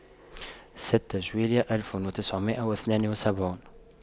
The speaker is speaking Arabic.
ستة جويلية ألف وتسعمئة واثنان وسبعون